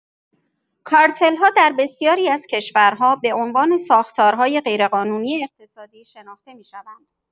کارتل‌ها در بسیاری از کشورها به‌عنوان ساختارهای غیرقانونی اقتصادی شناخته می‌شوند.